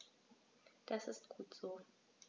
Das ist gut so.